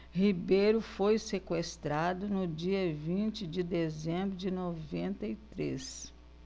ribeiro foi sequestrado no dia vinte de dezembro de noventa e três